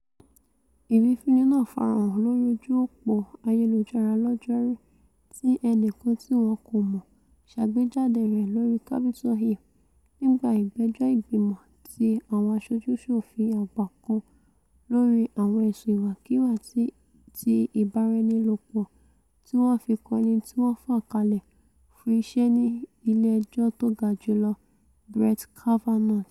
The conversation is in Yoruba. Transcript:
Ìwífúnni náà farahàn lórí ojú-òpò ayelujara lọ́jọ́ 'Ru, tí ẹnìkan tíwọ́n kòmọ̀ sàgbéjáde rẹ̀ lórí Capitol Hill nígbà ìgbẹ́jọ́ ìgbìmọ ti Àwọn Aṣojú-ṣòfin Àgbà kan lórí àwọn ẹ̀sùn ìwàkiwà ti ìbáraẹnilòpọ̀ tíwọ́n fi kan ẹnití wọ́n fàkalẹ̀ fún iṣẹ́ ní Ilé Ẹjọ́ Tógajùlọ Brett Kavanaugh.